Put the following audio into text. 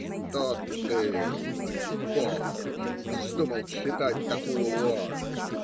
- Что ты, - говорит, - поп, вздумал читать такую ложь?